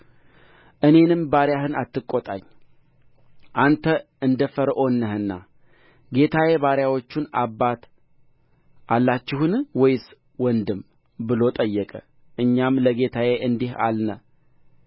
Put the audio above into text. እኔንም ባሪያህን አትቆጣኝ አንተ እንደ ፈርዖን ነህና ጌታዬ ባሪያዎቹን አባት አላችሁን ወይስ ወንድም ብሎ ጠየቀ እኛም ለጌታዬ እንዲህ አልነ